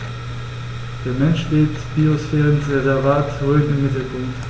Der Mensch steht im Biosphärenreservat Rhön im Mittelpunkt.